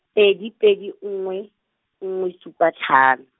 pedi pedi nngwe, nngwe supa tlhano.